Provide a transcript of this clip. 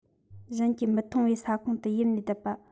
གཞན གྱིས མི མཐོང བའི ས ཁུང དུ ཡིབས ནས བསྡད པ